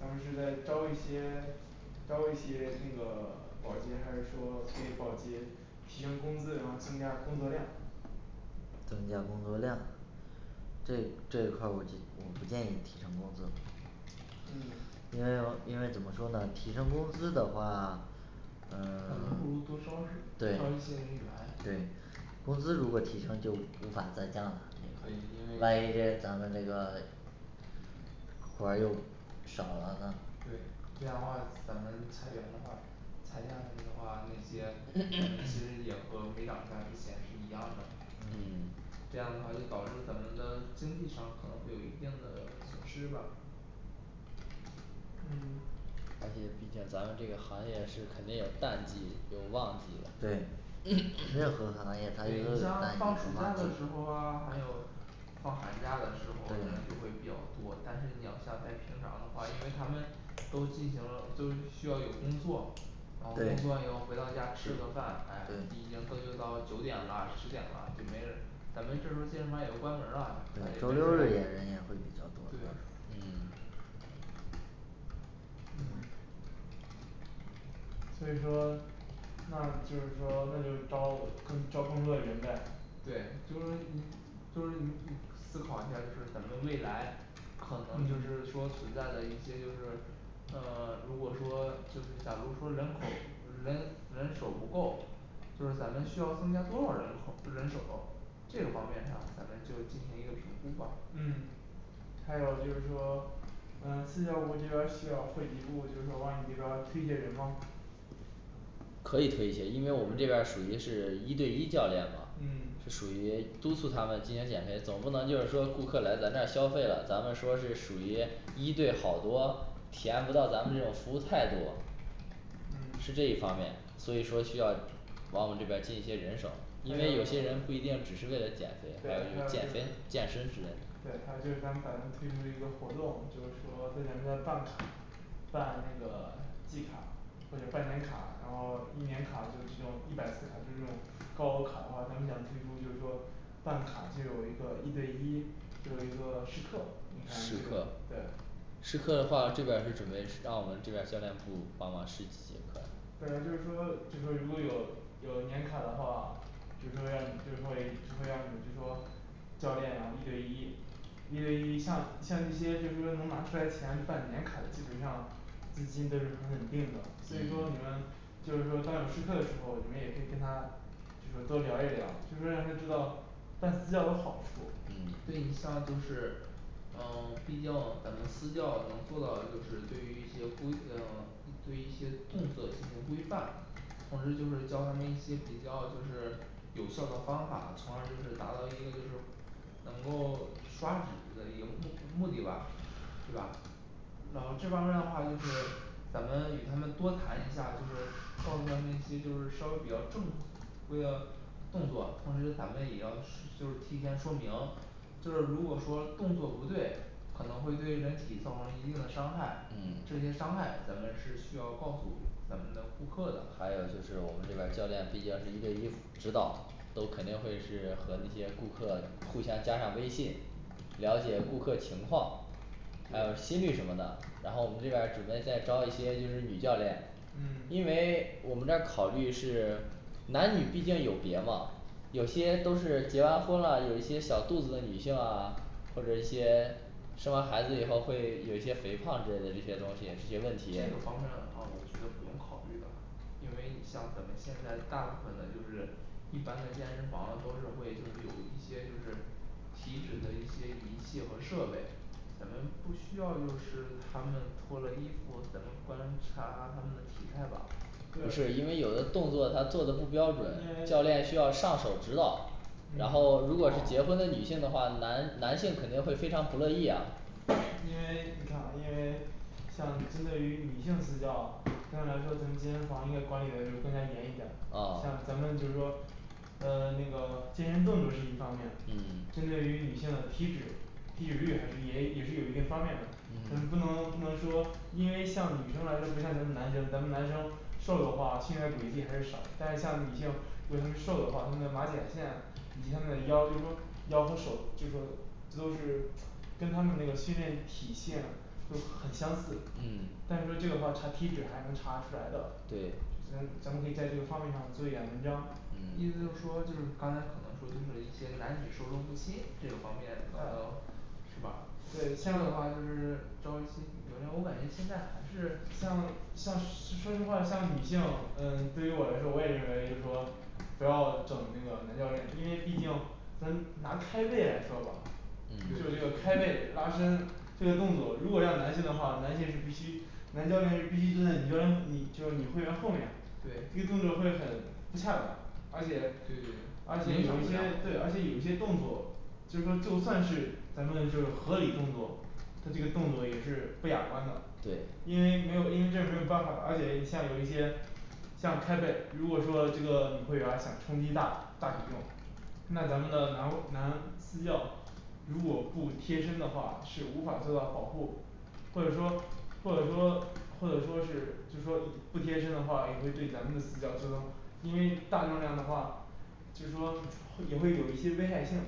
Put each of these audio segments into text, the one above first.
咱们是再招一些 招一些那个 保洁还是说给保洁提升工资然后增加工作量增加工作量这这一块儿问题我们不建议提升工资嗯因为因为怎么说呢提升工资的话 咱们不如嗯多招是 对招一些人员对工资如果提升就无法再降啦对因万一这个为咱们这个活儿又少了呢对这样的话咱们裁员的话裁下来的话那些& &其实也和没涨价之前是一样的这嗯样的话就导致咱们的经济上可能会有一定的损失吧嗯而且毕竟咱们这个行业是肯定有淡季有旺季对任何行业他都对你有像淡放暑季假旺季的时候啊还有放寒假的时候人就会比较多但是你要像在平常的话因为他们都进行了就是需要有工作然后工作完以后对回到家吃个饭哎呀已经都就到九点啦十点啦就没人咱们这时候健身房也要关门儿了对周六日也人也会比较多嗯嗯所以说那就是说那就招工招工作员呗对就是嗯 就是嗯 嗯 思考一下就是咱们未来可能就是说嗯存在的一些就是呃 如果说就是假如说人口人人手不够就是咱们需要增加多少人口人手这个方面上咱们就进行一个评估吧嗯还有就是说嗯私教部这边儿需要会籍部就是说往你这边儿推些人吗可以推一些因为我们这边儿属对于是一对一教练嘛是嗯属于督促他们进行减肥总不能就是说顾客来咱这儿消费了咱们说是属于一对好多体验不到咱们这种服务态度是嗯这一方面所以说需要往我这边儿进一些人手因为有些人不一定只是为了对还有就减肥还有减肥是健身之类的对还有就是咱打算推出一个活动就是说在咱们这办卡办那个 季卡或者办年卡然后一年卡就这种一百次卡就这种高额卡的话咱们想推出就是说办卡就有一个一对一就有一个试课你看试这课个对试课的话这边儿是准备让我们这边儿教练部帮忙试几节课对啊就是说就说如果有有年卡的话就是说让你就是说就是让你就是说教练然后一对一因为像像这些就是说能拿出来钱办年卡的基本上资金都是很稳定的所以说你嗯们就是说当你试课的时候你们也可以跟他就说多聊一聊就是说让他知道办私教有好处嗯对你像就是嗯 毕竟咱们私教能做到就是对于一些规 啊对一些动作进行规范同时就是教他们一些比较就是有效的方法从而就是达到一个就是能够刷脂的一个目目的吧对吧然后这方面儿的话就是咱们与他们多谈一下就是告诉他们一些就是稍微比较正规的动作同时咱们也要就是提前说明就是如果说动作不对可能会对人体造成一定的伤嗯害这些伤害咱们是需要告诉咱们的顾客的还有就是我们这边儿教练毕竟是一对一指导都肯定会是和那些顾客互相加上微信了解顾客情况还有心对率什么的然后我们这边儿准备再招一些就是女教练因嗯为我们这儿考虑是男女毕竟有别嘛有些都是结完婚啦有一些小肚子的女性啊或者一些生完孩子以后会有一些肥胖之类的这些东西这些这问题个方面儿的话我觉得不用考虑的因为你像咱们现在大部分的就是一般的健身房都是会就是有一些就是体脂的一些仪器和设备咱们不需要就是他们脱了衣服咱们观察他们的体态吧不是因对为有的动作他做的不标准教因练需要上为手指导然后如果嗯是结婚的女性啊的话男男性肯定会非常不乐嗯意啊 因为你看啊因为像针对于女性私教现在来说咱们健身房应该管理的就更加严一点儿像哦咱们就是说呃那个健身动作是一方面嗯针对于女性的体脂体脂率还是也也是有一定方面的咱不嗯能不能说因为像女生来就不像咱们男生咱们男生瘦的话性感轨迹还是少但是大部分女性为他们瘦的话他们马甲线以及他们的腰就说腰和手就是说这都是 跟他们这个训练体现都很相似嗯但是说这个的话查体脂还能查出来的对就咱咱们可以在这个方面上做一点文章意思就是嗯说就是刚才可能说就是一些男女授受不亲这个方面呃是吧对这像像样的话就是 招一些原来我感觉现在还是像说实话像女性嗯对于我来说我也认为就说不要整那个男教练因为毕竟咱拿开背来说吧就这个嗯开背拉伸这个动作如果要男性的话男性就必须男教练是必须站在女教练女就是女会员后面对动作会很不恰当而对对且而且有一些对而且有一些动作就说就算是咱们就是合理动作它这个动作也是不雅观的对因为没有因为这里没有办法而且像有一些像开背如果说这个女会员儿想冲击大大体重那咱们的男男私教如果不贴身的话是无法做到保护或者说或者说或者说是就说不贴身的话也会对咱们的私教造成因为大重量的话就说会也会有一些危害性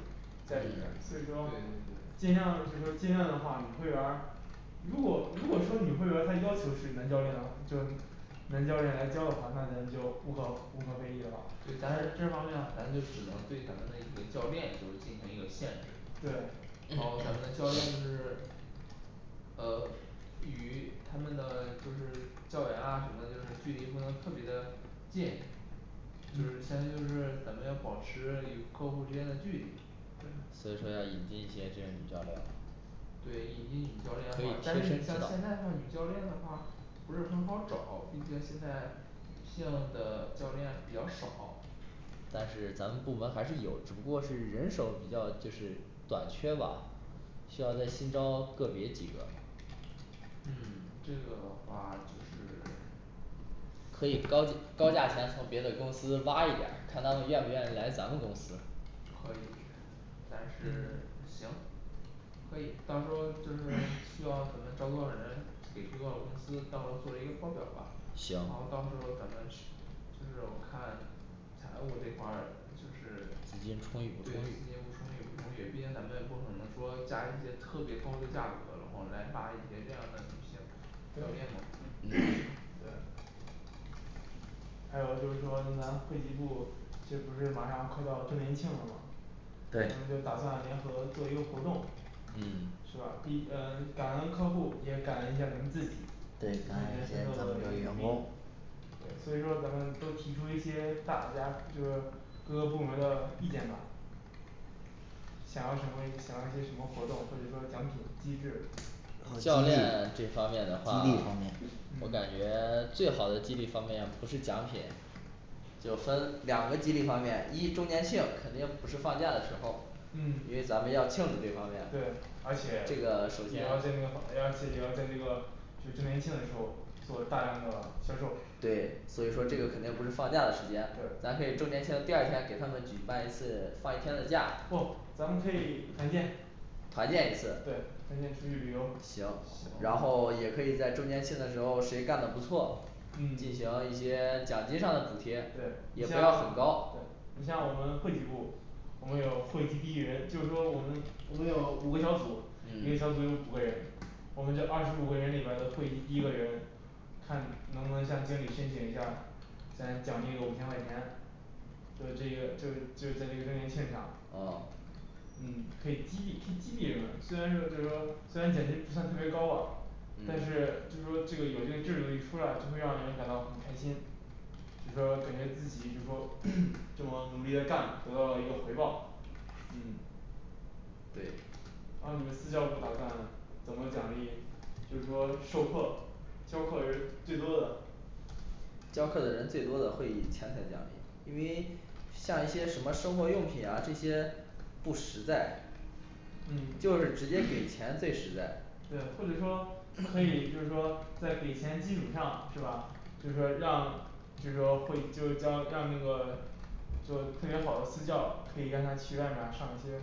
在里边所对以说对对尽量就是尽量的话女会员儿如果如果说女会员儿她要求是男教练的就男教练来教的话那咱就无可无可非议了吧对咱这方面咱就只能对咱们的一个教练就是进行一个限制对然后咱们的教练就是嗯 与他们的就是教员啊什么就是距离不能特别的近就是相当就是咱们要保持与客户之间的距离所以说对要引进一些这女教练了对引进女教练的可以话贴但是身你指像导现在女教练的话不是很好找毕竟现在女性的教练比较少但是咱们部门儿还是有只不过是人手比较就是短缺嘛需要再新招个别几个嗯这个的话就是可以高高价钱从别的公司挖一点儿看他们愿不愿意来咱们公司可以但是嗯 行可以到时候就是需要咱们招多少人给出多少工资到时候做一个报表吧好到时行候咱们是 就是我看财务这块儿就是对资资金金不充充裕裕不不充充裕裕毕竟咱们也不可能说加一些特别高的价格然后来拉一些这样的女性教练嘛对 还有就是说咱们会籍部这不是马上快到周年庆了嘛咱们就打对算联合做一个活动是吧嗯毕嗯感恩客户也感恩一下咱们自己这对些感恩年奋咱斗们的的一个员努力工，对所以说咱们都提出一些大家就是各个部门儿的意见吧想要什么想要一些什么活动或者说奖品机制激教励练激这励方方面面的话我感嗯觉最好的激励方面要不是奖品有分两个激励方面一周年庆肯定不是放假的时候儿嗯因为对咱们要庆祝这方面而且这个首也先要跟那个对而且也要在这个就周年庆的时候做大量的销售对所以说这个肯定不是放假的时间咱可以周对年庆的第二天给他们举办一次 放一天的假不咱们可以团建团建一次对团建出去旅游行然后行也可以在周年庆的时候谁干的不错嗯对你像对你像进行一些奖金上的补贴也不会很高对我们会籍部我们有会籍第一人就是说我们我们有五个小组一个小组有嗯五个人我们这二十五个人里边儿的会籍第一个人看能不能向经理申请一下咱奖励个五千块钱就这一个就是就是这个周年庆上哦嗯可以激励去激励人们虽然说就是说虽然奖金不算特别高吧但是嗯就是说这个有些制度一出来就会让人感到很开心就是说感觉自己就说 这么努力的干得到的一个回报嗯对然后你们私教是打算怎么奖励就是说授课教课人最多的教课的人最多的会以钱财奖励因为像一些什么生活用品啊这些不实在就是嗯直接给钱最实在对或者说可以就是说在给钱基础上是吧就是说让就是说会就教让那个就特别好的私教可以让他去外面儿上一些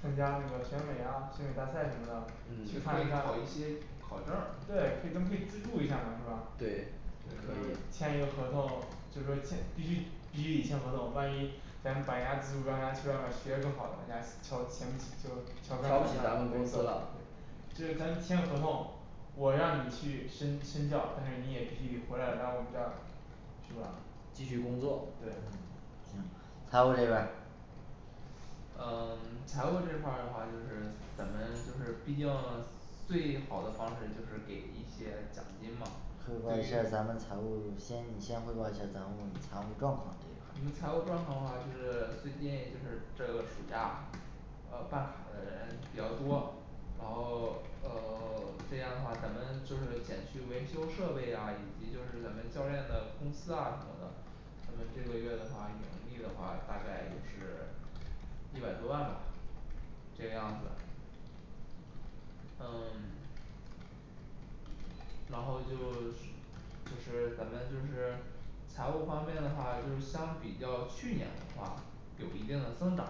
参加那个选美啊选美大赛什么嗯的去可看一以看考一些考证儿对可以咱们可以资助一下嘛是吧对对可签以一个合同就是说签必须必须得签合同万一咱们把人家资助让人家去外边儿学的更好了人家瞧嫌不起就瞧对不起咱们公司了就是咱签合同我让你去深深教但是你也必须得回来来我们这儿是吧继续工作嗯对行财务这边儿嗯 财务这块儿的话就是咱们就是毕竟最好的方式就是给一些奖金嘛核算对一下儿咱们于财务先你先汇报一下儿咱们财务状况这一我们财务状况的话就是最近就是这个暑假呃办卡的人比较多然后哦 这样的话咱们就是减去维修设备啊以及就是咱们教练的工资啊什么的那么这个月的话盈利的话大概也就是一百多万吧这个样子嗯 然后就是就是咱们就是财务方面的话就是相比较去年的话有一定的增长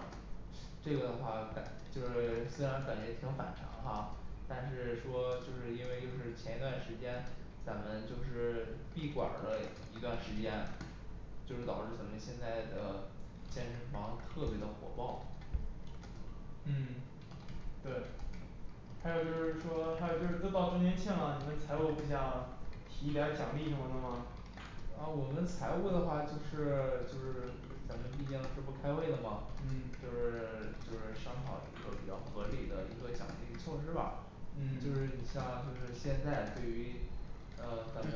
这个的话感就是虽然感觉挺反常哈但是说就是因为就是前一段时间咱们就是闭馆儿了一段时间就导致咱们现在的健身房特别的火爆嗯 对 还有就是说还有就是都到周年庆啦你们财务不想提一点儿奖励什么的吗啊我们财务的话就是 就是咱们毕竟这不开会的嘛就嗯是 就是商讨一个比较合理的一个奖励措施吧就是你嗯像就是现在对于呃咱们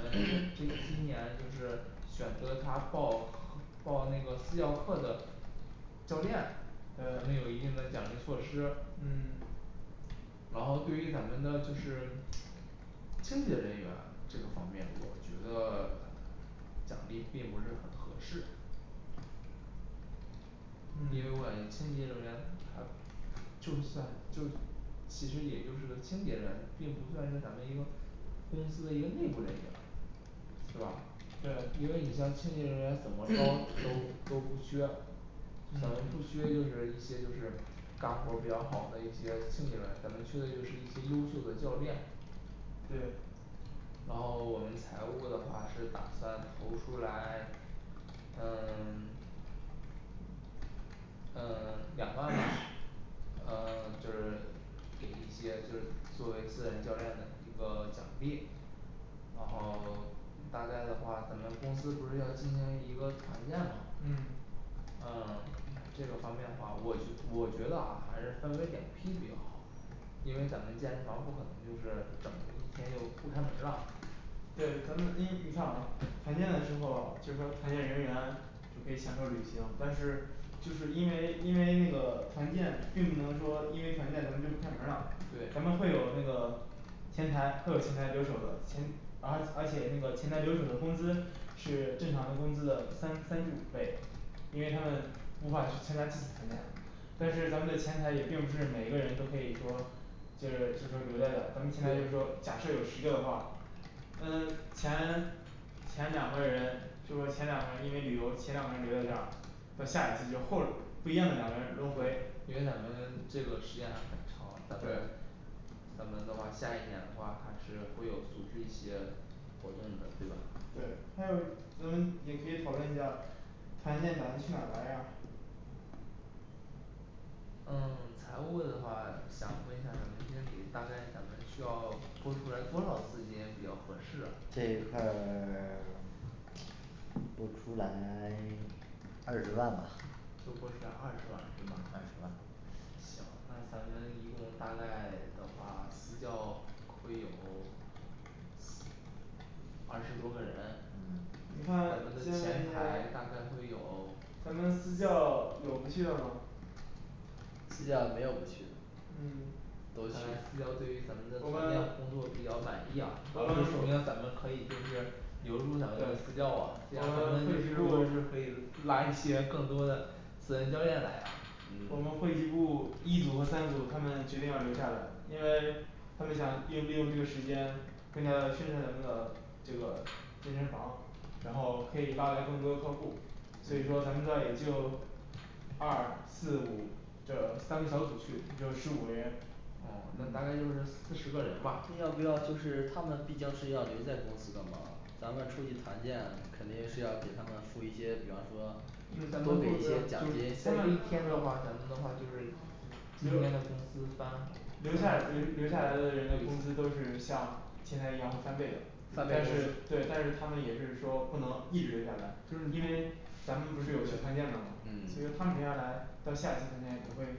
今年就是选择他报报那个私教课的教练才能有一定的奖励措施对嗯然后对于咱们的就是清洁人员这个方面我觉得 奖励并不是很合适因为我感觉嗯清洁人员他就算就其实也就是清洁人并不算是咱们一个公司的一个内部人员儿对吧因为对你像清洁人员怎么着都都不缺咱们不嗯缺就是一些就是干活儿比较好的一些清洁人员咱们缺的就是一些优秀的教练对然后我们财务的话是打算投出来嗯 嗯 两万吧嗯就是给一些就是作为私人教练的一个奖励然后大概的话咱们公司不是要进行一个团建嘛嗯嗯这个方面的话我觉我觉得啊还是分为两批比较好因为咱们健身房不可能就是整一天就不开门儿啦对咱们一你看啊团建的时候就是说团建人员就可以享受旅行但是就是因为因为那个团建并不能说因为团建咱们就不开门儿了咱们会有对那个前台会有前台留守的前而而且那个前台留守的工资是正常的工资的三三至五倍因为他们无法去参加具体团建但是咱们的前台也并不是每个人都可以说就是就说留下的咱们现在就是说假对设有十个的话嗯前前两个人就说前两个因为旅游前两个留在这儿到下一次就后不一样的两个人轮回因对为咱们这个时间还很长咱们对咱们的话下一年的话还是会有组织一些活动的对吧对还有咱们也可以讨论一下团建咱们去哪儿玩儿呀嗯财务的话想问一下咱们经理大概咱们需要多出来多少资金比较合适这一啊块儿 拨出来 二十万吧就拨出来二二十十万万是吧行那咱们一共大概的话私教会有二十多个人你咱看嗯们的前台大概会有咱们私教有不去的吗私教没有不去的嗯都看来私教对于咱们的我团建工作们比较满意呀我这说明了咱们们可以就是留住咱们的私教对啊就像我咱们们是不会是就可籍以部拉一些更多的私人教练来啊我们会嗯籍部一组和三组他们要决定要留下来因为他们想利用利用这个时间更加宣传咱们的这个健身房然后可以拉来更多的客户所以说咱们这儿也就二四五这三个小组去也就十五个人哦那嗯大概就是四十个人吧要不要就是他们毕竟是要留在公司的嘛咱们出去团建肯定是要给他们付一些比方说嗯咱多们就给是一些就在奖金这一天的话咱们的话就是一留年的工资翻留下留留下来的人的工资都是像前台一样翻倍的但是对但是他们也是说不能一直留下来就是因为咱们不是有去看店的嘛对所以他们接嗯下来到下一次团建也会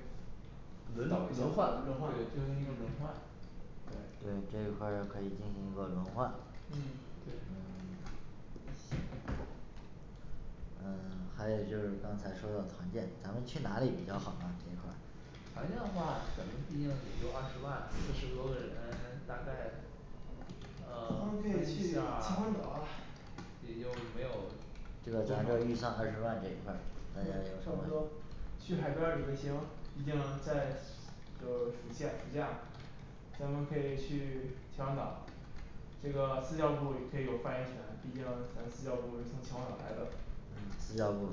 轮倒轮换轮换对进行一个轮换对对这一块儿可以进行一个轮换嗯对嗯 还有就是刚才说的团建咱们去哪里比较好呢这一块儿团建的话咱们毕竟也就二十万四十多个人大概咱嗯们可以去秦皇岛啊也就没有这多个少反正预算二十万这一块儿大嗯家有差什么不多去海边儿旅个行毕竟在就暑现暑假咱们可以去秦皇岛这个私教部可以有发言权毕竟咱私教部是从秦皇岛来的嗯私教部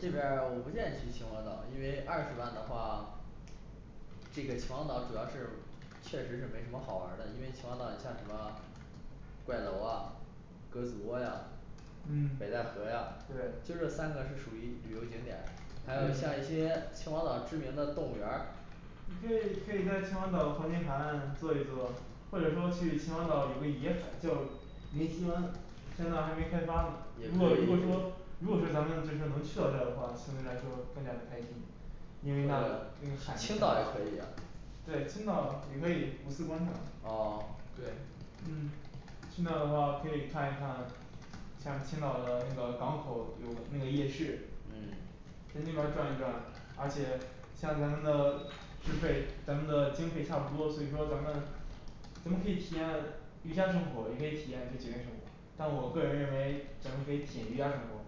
这这边边儿说一下儿我不建议去秦皇岛因为二十万的话这个秦皇岛主要是确实是没什么好玩儿的因为秦皇岛你像什么怪楼啊鸽子窝啊嗯对北戴河呀就这三个是属于旅游景点还有像一对些秦皇岛知名的动物园儿可以可以在秦皇岛黄金海岸坐一坐或者说去秦皇岛有个野海叫明西安现在还没开发呢也如果如果说行如果说咱们就是能去到这儿的话相对来说更加的开心因为那里那个海对青青岛岛也也可以呀可以五四广场哦对嗯青岛的话可以看一看像青岛的那个港口有那个夜市在那嗯边儿转一转而且像咱们的支费咱们的经费差不多所以说咱们咱们可以体验渔家生活也可以体验这景类生活但我个人认为咱们可以体验渔家生活